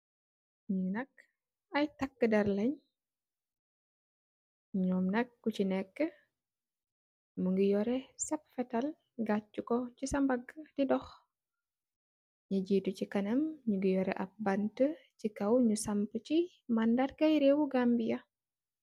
Nyi nakk ay takk dar lan noom nakku ci nekk mu ngi yore sab fetal gaacc ko ci sambagg di dox ni jiitu ci kanam nu ngi yore ab banta ci kaw nu samp ci mandargay reewu Gambi ya.